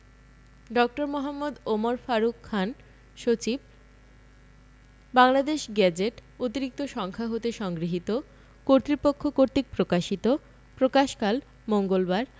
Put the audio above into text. ড. মে. ওমর ফারুক খান সচিব বাংলাদেশ গেজেট অতিরিক্ত সংখ্যা হতে সংগৃহীত কতৃপক্ষ কর্তৃক প্রকাশিত প্রকাশকাল মঙ্গলবার